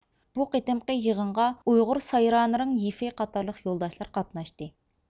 بۇ قېتىمقى يىغىنغا ئۇيغۇر سايرانىرېڭ يىفېي قاتارلىق يولداشلار قاتناشتى